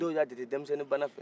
dɔw y'a jate denmisɛnninbana fɛ